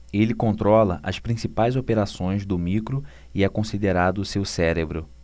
ele controla as principais operações do micro e é considerado seu cérebro